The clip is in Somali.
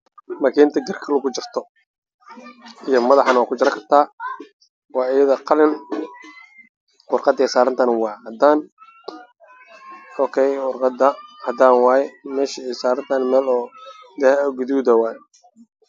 meeshaan waxaa yaala kartoon waxaa ku sawiran makiinad lagu jarto timaha